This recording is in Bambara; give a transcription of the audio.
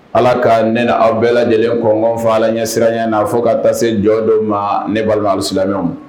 Ala ka ne awaw bɛɛ lajɛlen kɔnfa la ɲɛsiraya na fɔ ka taa se jɔ dɔ ma ne balimasi silamɛla ma